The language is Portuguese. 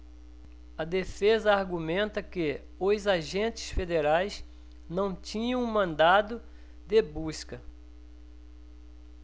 a defesa argumenta que os agentes federais não tinham mandado de busca